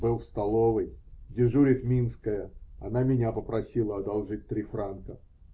-- Был в столовой: дежурит Минская; она меня попросила одолжить три франка.